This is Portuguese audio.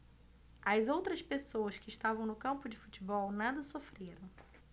as outras pessoas que estavam no campo de futebol nada sofreram